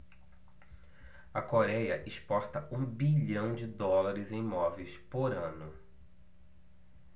a coréia exporta um bilhão de dólares em móveis por ano